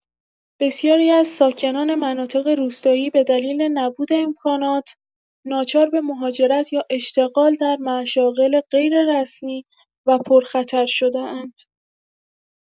بسیاری از ساکنان مناطق روستایی به دلیل نبود امکانات، ناچار به مهاجرت یا اشتغال در مشاغل غیررسمی و پرخطر شده‌اند.